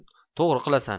to'g'ri qilasan